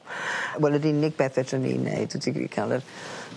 Wel yr unig beth fedrwn ni neud yfi ca'l yr